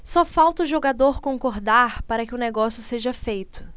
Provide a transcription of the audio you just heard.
só falta o jogador concordar para que o negócio seja feito